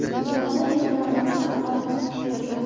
bola yig'lamasa ona sut bermas